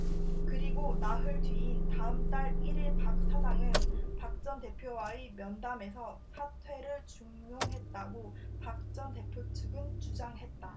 그리고 나흘 뒤인 다음 달 일 일 박 시장은 박 전 대표와의 면담에서 사퇴를 종용했다고 박 전 대표 측은 주장했다